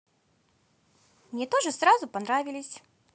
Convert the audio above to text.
мне тоже сразу понравились